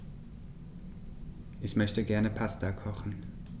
Ich möchte gerne Pasta kochen.